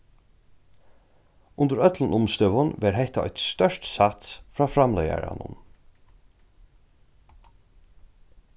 undir øllum umstøðum var hetta eitt stórt sats frá framleiðaranum